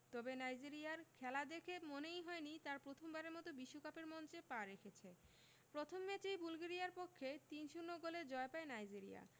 তবে নাইজেরিয়ার খেলা দেখে মনেই হয়নি তারা প্রথমবারের মতো বিশ্বকাপের মঞ্চে পা রেখেছে প্রথম ম্যাচেই বুলগেরিয়ার পক্ষে ৩ ০ গোলের জয় পায় নাইজেরিয়া